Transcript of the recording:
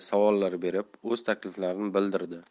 savollar berib o'z takliflarini bildirdi